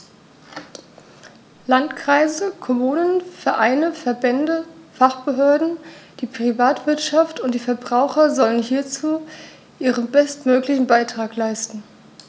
Landkreise, Kommunen, Vereine, Verbände, Fachbehörden, die Privatwirtschaft und die Verbraucher sollen hierzu ihren bestmöglichen Beitrag leisten.